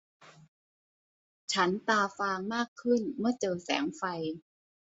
ฉันตาฟางมากขึ้นเมื่อเจอแสงไฟ